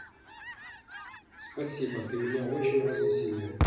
спасибо ты меня очень развеселил